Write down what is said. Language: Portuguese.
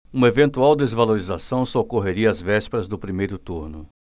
uma eventual desvalorização só ocorreria às vésperas do primeiro turno